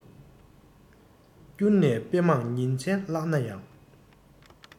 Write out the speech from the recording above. བསྐྱུར ནས དཔེ མང ཉིན མཚན བཀླགས ན ཡང